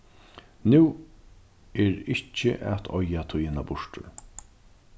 nú er ikki at oyða tíðina burtur